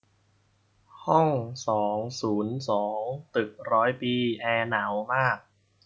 ห้องสองศูนย์สองตึกร้อยปีแอร์หนาวมาก